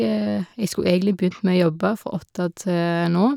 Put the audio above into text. Jeg skulle egentlig begynt med å jobbe fra åtte til nå.